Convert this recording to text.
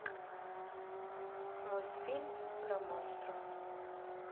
мультфильм про монстров